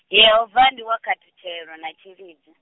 Yehova ndi wa khathutshelo na tshilidzi.